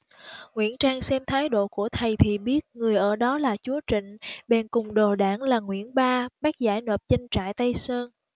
nguyễn trang xem thái độ của thầy thì biết người ở đó là chúa trịnh bèn cùng đồ đảng là nguyễn ba bắt giải nộp doanh trại tây sơn